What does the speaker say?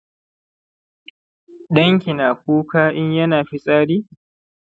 danki na kuka in yana fitsari